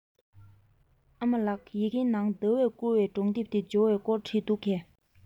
ཨ མ ལགས ཡི གེ ནང ཟླ བསྐུར བའི སྒྲུང དེབ དེ འབྱོར བའི སྐོར བྲིས འདུག གས